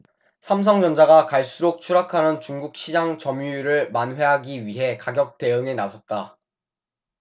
삼성전자가 갈수록 추락하는 중국 시장 점유율을 만회하기 위해 가격 대응에 나섰다